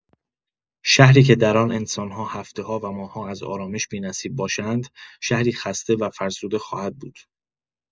شهری که در آن انسان‌ها هفته‌ها و ماه‌ها از آرامش بی‌نصیب باشند، شهری خسته و فرسوده خواهد بود.